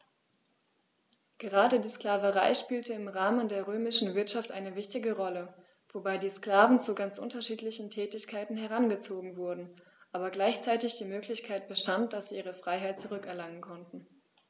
Gerade die Sklaverei spielte im Rahmen der römischen Wirtschaft eine wichtige Rolle, wobei die Sklaven zu ganz unterschiedlichen Tätigkeiten herangezogen wurden, aber gleichzeitig die Möglichkeit bestand, dass sie ihre Freiheit zurück erlangen konnten.